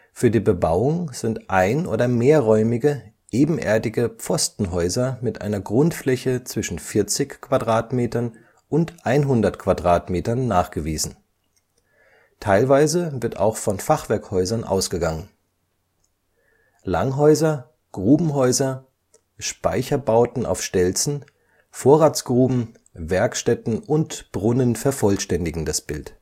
Für die Bebauung sind ein - oder mehrräumige ebenerdige Pfostenhäuser mit einer Grundfläche zwischen 40 m² und 100 m² nachgewiesen. Teilweise wird auch von Fachwerkhäusern ausgegangen. Langhäuser, Grubenhäuser, Speicherbauten auf Stelzen, Vorratsgruben, Werkstätten und Brunnen vervollständigen das Bild